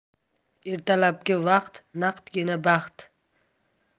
ertalabki vaqt naqdgina baxt